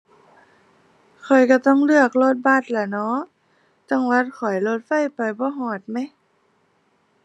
ข้อยก็ต้องเลือกรถบัสล่ะเนาะ จังหวัดข้อยรถไฟไปบ่ฮอดแหม